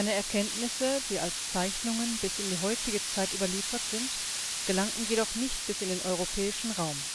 Erkenntnisse, die als Zeichnungen bis in die heutige Zeit überliefert sind, gelangten jedoch nicht bis in den europäischen Raum